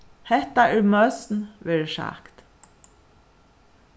hetta er møsn verður sagt